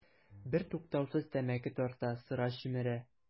Бертуктаусыз тәмәке тарта, сыра чөмерә.